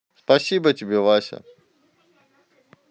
спасибо тебе вася